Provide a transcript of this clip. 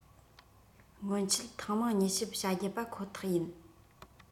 སྔོན ཆད ཐེངས མང མྱུལ ཞིབ བྱ རྒྱུ པ ཁོ ཐག ཡིན